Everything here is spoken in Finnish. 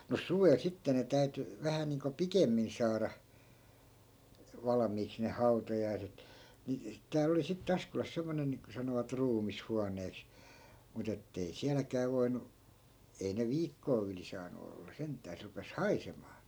mutta suvella sitten ne täytyi vähän niin kuin pikemmin saada valmiiksi ne hautajaiset niin täällä oli sitten Askolassa semmoinen niin kuin sanovat ruumishuoneeksi mutta että ei sielläkään voinut ei ne viikkoa yli saanut olla sentään se rupesi haisemaan